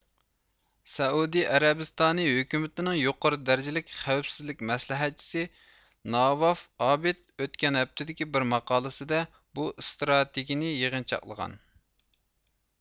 سەئۇدى ئەرەبىستانى ھۆكۈمىتىنىڭ يۇقىرى دەرىجىلىك خەۋپسىزلىك مەسلىھەتچىسى ناۋاف ئابىد ئۆتكەن ھەپتىدىكى بىر ماقالىسىدە بۇ ئىستراتېگىيىنى يىغىنچاقلىغان